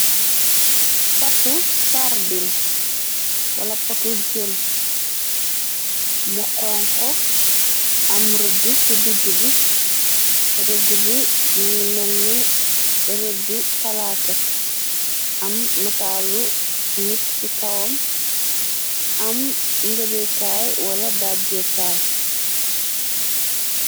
Patu sardin wala patu jen mo xon ko am rëdd ci digg bi rëdd bi nangi menne rëddu palaake am nataalu nit ci kawam am ngëbekaay wala dajjekaay.